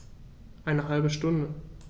Eine halbe Stunde